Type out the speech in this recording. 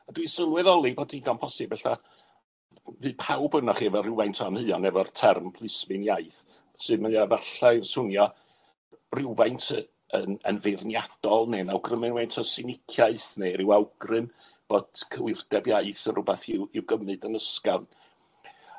A dwi'n sylweddoli bod digon posib ella, f- fydd pawb onoch chi efo rywfaint o amheuon efo'r term plismin iaith, sydd mae o efallai swnio rywfaint yy yn yn feirniadol, neu'n awgrymu rywfaint o siniciaeth, neu ryw awgrym bod cywirdeb iaith yn rwbath i'w i'w gymryd yn ysgafn.